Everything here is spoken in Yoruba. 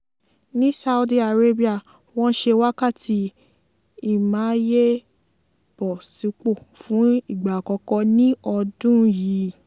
Ní Saudi Arabia, wọ́n ṣe Wákàtí Ìmáyébọ̀sípò fún ìgbà àkọ́kọ́ ní ọdún yìí.